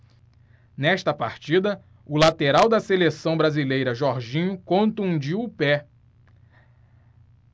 nesta partida o lateral da seleção brasileira jorginho contundiu o pé